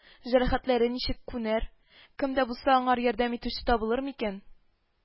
Җәрәхәтләре ничек күнәр, кемдә булса аңар ярдәм итүче табылыр микән